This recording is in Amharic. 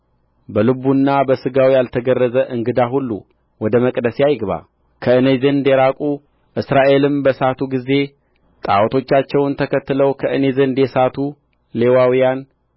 በልቡና በሥጋው ያልተገረዘ እንግዳ ሁሉ ወደ መቅደሴ አይግባ ከእኔ ዘንድ የራቁ እስራኤልም በሳቱ ጊዜ ጣዖታቸውን ተከትለው ከእኔ ዘንድ የሳቱ ሌዋውያን